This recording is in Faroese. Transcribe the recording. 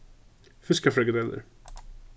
fiskafrikadellur